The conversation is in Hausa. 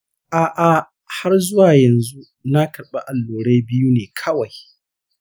a'a, har zuwa yanzu na karɓi allurai biyu ne kawai.